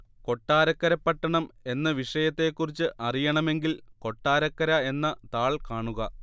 കൊട്ടാരക്കര പട്ടണം എന്ന വിഷയത്തെക്കുറിച്ച് അറിയണമെങ്കിൽ കൊട്ടാരക്കര എന്ന താൾ കാണുക